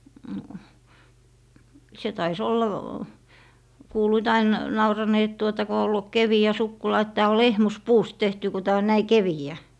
no se taisi olla kuuluivat aina nauraneen että tuota kun ollut keveä sukkula että tämä on lehmuspuusta tehty kun tämä on näin keveä